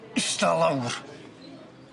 Ista lawr.